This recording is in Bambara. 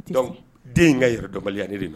Donc den in ka yɛrɛ dɔn baliya ne de don.